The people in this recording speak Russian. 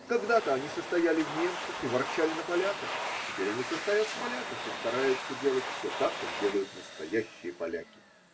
Когда-то они состояли в немцах и ворчали на поляков: теперь они состоят в поляках и стараются делать все так, как делают настоящие поляки.